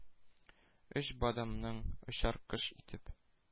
— өч бадамдын очар кош итеп,